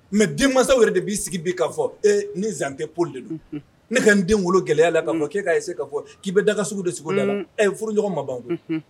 Mɛ den mansaw yɛrɛ de b'i sigi bi ka fɔ ni zante pauloli de don ne ka n den wolo gɛlɛyaya la k'a ma e k'a ye se ka fɔ k'i bɛ dagaka sugu de segu furuɔgɔ mabaw